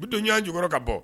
Bitɔntuwan j ka bɔ